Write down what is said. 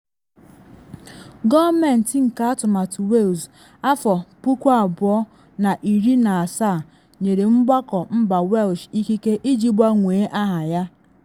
Gọọmentị nke Atụmatụ Wales 2017 nyere mgbakọ mba Welsh ikike iji gbanwee aha ya.